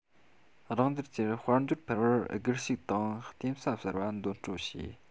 རང རྒྱལ གྱི དཔལ འབྱོར འཕར བར སྒུལ ཤུགས དང རྟེན ས གསར པ འདོན སྤྲོད བྱས